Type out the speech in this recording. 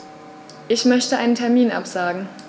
Ich möchte einen Termin absagen.